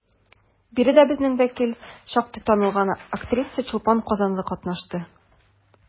Биредә безнең вәкил, шактый танылган актриса Чулпан Казанлы катнашты.